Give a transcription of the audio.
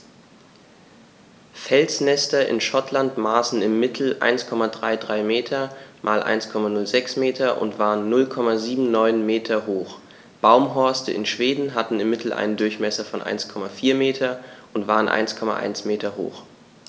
Felsnester in Schottland maßen im Mittel 1,33 m x 1,06 m und waren 0,79 m hoch, Baumhorste in Schweden hatten im Mittel einen Durchmesser von 1,4 m und waren 1,1 m hoch.